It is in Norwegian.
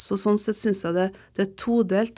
så sånn sett synes jeg det er det er todelt.